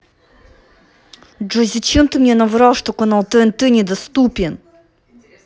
джой зачем ты мне наврал что канал тнт недоступен